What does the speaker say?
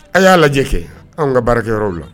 A y'a lajɛ kɛ an ka baarakɛ yɔrɔ la